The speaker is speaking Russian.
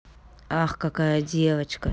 ах какая девочка